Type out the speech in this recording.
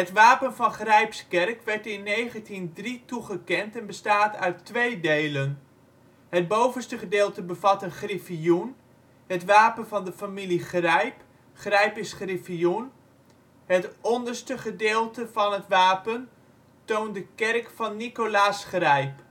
wapen van Grijpskerk werd in 1903 toegekend en bestaat uit 2 delen: Het bovenste gedeelte bevat een griffioen, het wapen van de familie Grijp (grijp = griffioen). Het onderste gedeelte van het wapen toont de kerk van Nicolaas Grijp